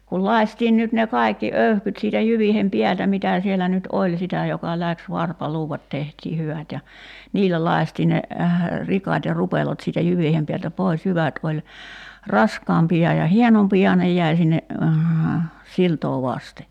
kun lakaistiin nyt ne kaikki öyhkyt siitä jyvien päältä mitä siellä nyt oli sitä joka lähti varpaluudat tehtiin hyvät ja niillä lakaistiin ne rikat ja rupelot siitä jyvien päältä pois jyvät oli raskaampia ja hienompia ne jäi sinne siltaa vasten